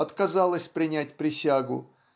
отказалась принять присягу